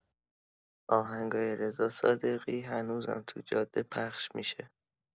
آهنگای رضا صادقی هنوزم تو جاده پخش می‌شه.